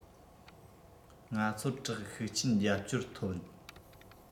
ང ཚོར བཀྲག ཤུགས ཆེན རྒྱབ སྐྱོར ཐོན